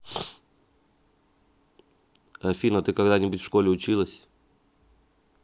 афина ты когда нибудь в школе училась